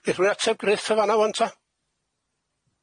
Fydd rwun ateb gryth yn fan'na ŵan ta?